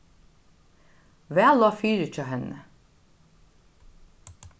væl lá fyri hjá henni